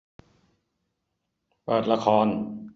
เปิดละคร